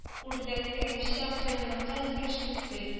Үрдәктәгечә каенлыкка җиткәч туктый